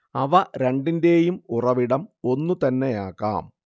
അവ രണ്ടിന്റേയും ഉറവിടം ഒന്നുതന്നെയാകാം